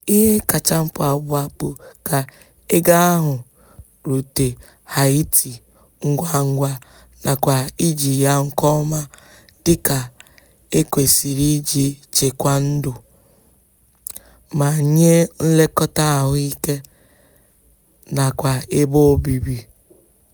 Ihe kacha mkpa ugbua bụ ka ego ahụ rute Haiti ngwangwa nakwa iji ya nke ọma dịka e kwesịrị iji chekwaa ndụ, ma nye nlekọta ahụike nakwa ebe obibi.